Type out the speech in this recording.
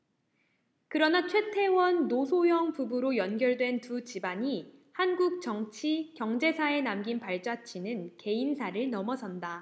그러나 최태원 노소영 부부로 연결된 두 집안이 한국 정치 경제사에 남긴 발자취는 개인사를 넘어선다